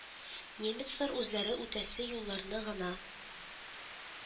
Немецлар үзләре үтәсе юлларны гына